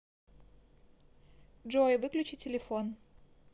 джой выключи телефон